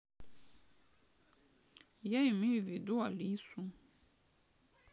я имею ввиду алису